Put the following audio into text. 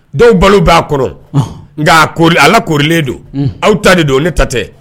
Dɔw balo b'a kɔrɔ nka ko ala koorilen don aw ta de don ne ta tɛ